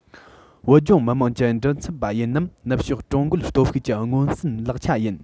བོད ལྗོངས མི དམངས ཀྱི མགྲིན ཚབ པ ཡིན ནམ ནུབ ཕྱོགས ཀྲུང རྒོལ སྟོབས ཤུགས ཀྱི མངོན སུམ ལག ཆ ཡིན